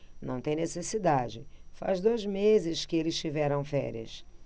não tem necessidade faz dois meses que eles tiveram férias